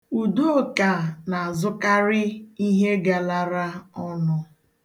Udoka na-azụkarị ihe garara ọnụ.